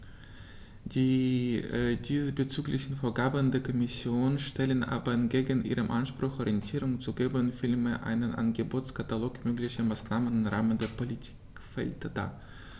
Die diesbezüglichen Vorgaben der Kommission stellen aber entgegen ihrem Anspruch, Orientierung zu geben, vielmehr einen Angebotskatalog möglicher Maßnahmen im Rahmen der Politikfelder dar.